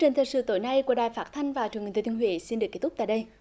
trình thời sự tối nay của đài phát thanh và truyền hình thừa thiên huế xin được kết thúc tại đây